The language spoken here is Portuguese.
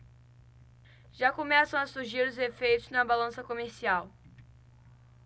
já começam a surgir os efeitos na balança comercial